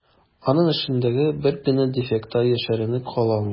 Аның эчендәге бер генә дефекты да яшеренеп кала алмый.